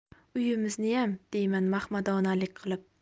uyimizniyam deyman mahmadonalik qilib